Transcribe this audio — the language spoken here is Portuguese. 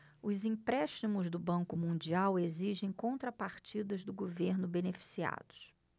os empréstimos do banco mundial exigem contrapartidas dos governos beneficiados